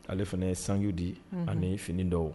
Ale fana ye sanku di ani fini dɔw